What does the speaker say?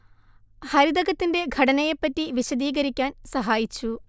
ഹരിതകത്തിന്റെ ഘടനയെ പറ്റി വിശദീകരിക്കാൻ സഹായിച്ചു